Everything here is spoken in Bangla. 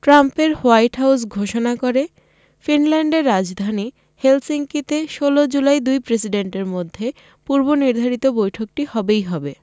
ট্রাম্পের হোয়াইট হাউস ঘোষণা করে ফিনল্যান্ডের রাজধানী হেলসিঙ্কিতে ১৬ জুলাই দুই প্রেসিডেন্টের মধ্যে পূর্বনির্ধারিত বৈঠকটি হবেই হবে